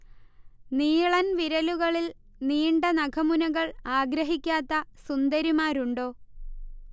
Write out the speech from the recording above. നീളൻ വിരലുകളിൽ നീണ്ട നഖമുനകൾ ആഗ്രഹിക്കാത്ത സുന്ദരിമാരുണ്ടോ